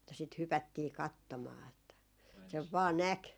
että sitä hypättiin katsomaan että sen vain näki